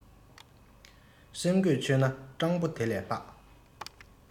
སེམས གོས ཆོད ན སྤྲང པོ དེ ལས ལྷག